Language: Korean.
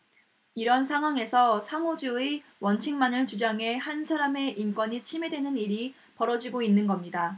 이런 상황에서 상호주의 원칙만을 주장해 한 사람의 인권이 침해되는 일이 벌어지고 있는 겁니다